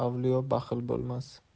avliyo baxil bo'lmas